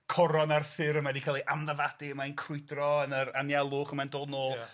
coron Arthur a mae 'di cael ei amnafadu a mae'n crwydro yn yr anialwch a mae'n dod nôl... Ia.